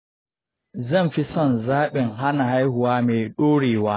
zan fi son zaɓin hana haihuwa mai ɗorewa.